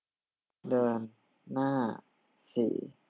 เดินหน้าสี่